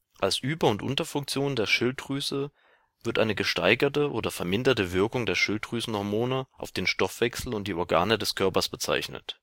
Als Über - und Unterfunktion der Schilddrüse wird eine gesteigerte oder verminderte Wirkung der Schilddrüsenhormone auf den Stoffwechsel und die Organe des Körpers bezeichnet